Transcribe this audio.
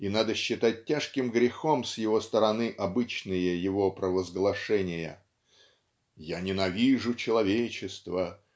и надо считать тяжким грехом с его стороны обычные его провозглашения "я ненавижу человечество